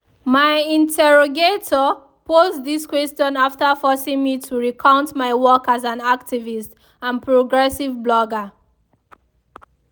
My interrogator posed this question after forcing me to recount my work as an activist and progressive blogger.